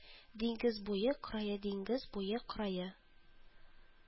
Диңгез буе крае Диңгез буе крае